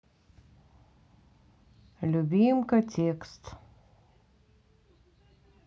любимка текст